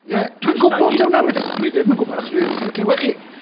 Ie, "dwi'n gwybod taw 'na be-". Dwi ddim yn gwybod achos dwi ffaelu clywed chi!